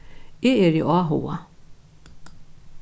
eg eri áhugað